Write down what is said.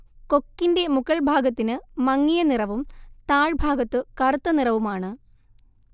കൊക്കിന്റെ മുകൾഭാഗത്തിന് മങ്ങിയ നിറവും താഴ്ഭാഗത്തു കറുത്ത നിറവുമാണ്